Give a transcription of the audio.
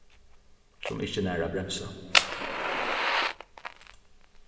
sum ikki nær at bremsa